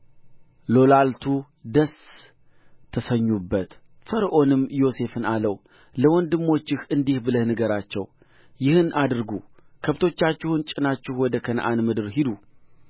ሎላልቱ ደስ ተሰኙበት ፈርዖንም ዮሴፍን አለው ለወንድሞችህ እንዲህ ብለህ ንገራቸው ይህን አድርጉ ከብቶቻችሁን ጭናችሁ ወደ ከነዓን ምድር ሂዱ